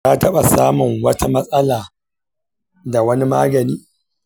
ka taɓa samun wata matsala da wani magani?